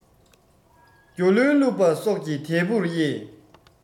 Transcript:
རྒྱུ རློན བཀླུབས པ སོགས ཀྱིས དལ བུར དབྱེ